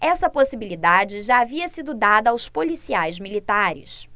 essa possibilidade já havia sido dada aos policiais militares